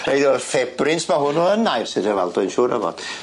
Rhei o'r ffebrins ma' hwnnw yn air Sir Drefaldwyn siŵr o fod.